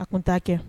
A tun t'a kɛ